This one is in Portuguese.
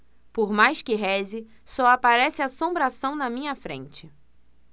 por mais que reze só aparece assombração na minha frente